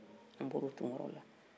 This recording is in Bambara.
anw bɔra o tunkaraw de la